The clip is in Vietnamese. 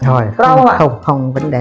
chị có thấy đau không ạ không không vấn đề gì